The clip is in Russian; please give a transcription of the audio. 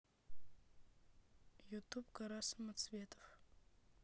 ютуб гора самоцветов